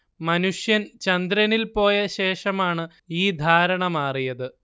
മനുഷ്യൻ ചന്ദ്രനിൽ പോയ ശേഷമാണ് ഈ ധാരണ മാറിയത്